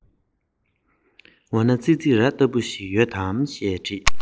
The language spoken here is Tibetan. བྱེད བཞིན ལན དེ ལྟར བཏབ